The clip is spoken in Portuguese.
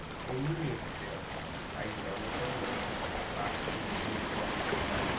em mil e oitocentos a irlanda tornou-se parte do reino unido